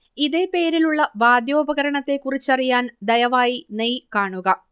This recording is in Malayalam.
ഇതേ പേരിലുള്ള വാദ്യോപകരണത്തെക്കുറിച്ചറിയാൻ ദയവായി നെയ് കാണുക